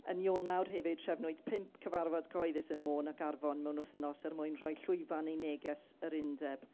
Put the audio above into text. Yn Ionawr hefyd, trefnwyd pump cyfarfod cyhoeddus yn Môn ac Arfon mewn wythnos er mwyn rhoi llwyfan i neges yr undeb.